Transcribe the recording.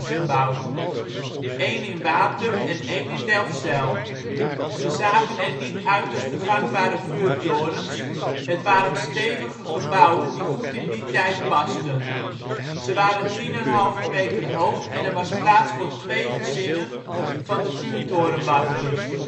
gebouwd, één in Watum en één in Delfzijl. Ze zagen er niet uit als de gangbare vuurtorens, het waren stevige gebouwen die goed in die tijd pasten. Ze waren 10,5 meter hoog en er was plaats voor 2 gezinnen van de vuurtorenwachters